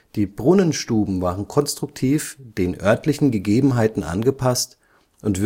Die Brunnenstuben waren konstruktiv den örtlichen Gegebenheiten angepasst und